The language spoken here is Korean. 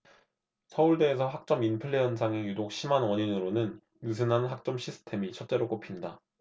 서울대에서 학점 인플레 현상이 유독 심한 원인으로는 느슨한 학점 시스템이 첫째로 꼽힌다